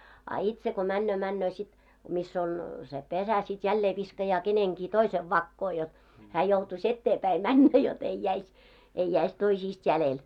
a itse kun menee menee sitten missä on se pesä sitten jälleen viskaa kenenkin toisen vakoon jotta hän joutuisi eteenpäin mennä jotta ei jäisi ei jäisi toisista jäljelle